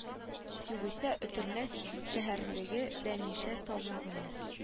Югыйсә өтернәс шәһәрлеге дә мишә тамагына